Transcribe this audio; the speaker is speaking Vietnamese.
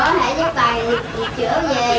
con có thể giúp bà việc gì